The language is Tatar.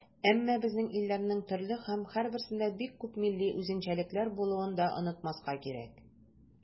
Әмма безнең илләрнең төрле һәм һәрберсендә бик күп милли үзенчәлекләр булуын да онытмаска кирәк.